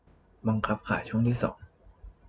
บังคับขายช่องที่สอง